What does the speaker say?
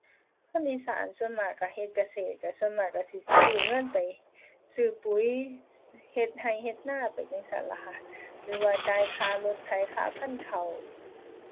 คนอีสานส่วนมากก็เฮ็ดเกษตร ก็ส่วนมากก็สิกู้เงินไปซื้อปุ๋ยเฮ็ดก็ เฮ็ดนา ไปจั่งซั้นล่ะค่ะ หรือว่าจ่ายค่ารถไถ ค่าพันธุ์ข้าว